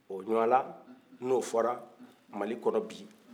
o ɲwala n'o fɔra mali kɔnɔ bi